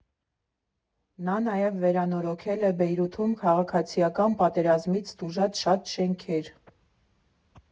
Նա նաև վերանորոգել է Բեյրութում քաղաքացիական պատերազմից տուժած շատ շենքեր։